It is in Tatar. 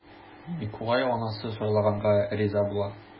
Микулай анасы сайлаганга риза була.